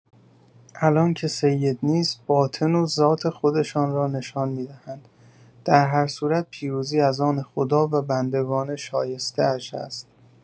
الان که سید نیست باطن و ذات خودشان را نشان می‌دهند، در هر صورت پیروزی از آن خدا و بندگان شایسته‌اش است.